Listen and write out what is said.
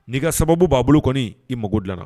N'i ka sababu b'a bolo kɔni i mako gilan na.